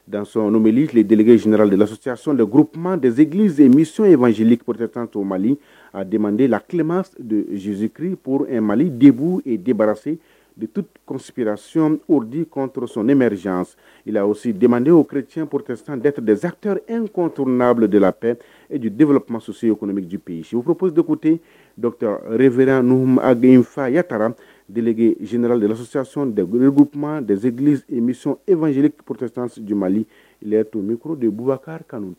Danc bɛl tiledge zzera de lacyac dekurp dezgilizemiseze porotetanma a de la tilelema zzepri pure mali debuu debararase tusipracɔn odiks nemerizyz la osi deden ourrecyɛnp potesidttedzpter ekr n'bu de lap e juru depmasosi ye kɔnie bɛ jipesi sip potekote dɔ reer n ninnuu gɛn infa ya taarara delige zzdra lacsicebukuma dezili epze porootatansij turro de bubakariri kan